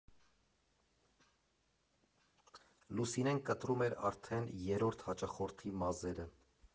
Լուսինեն կտրում էր արդեն երրորդ հաճախորդի մազերը։